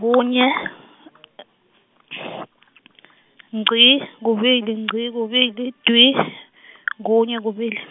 kunye , ngci, kubili, ngci, kubili, dvwi, kunye, kubili.